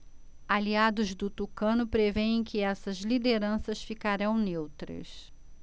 aliados do tucano prevêem que essas lideranças ficarão neutras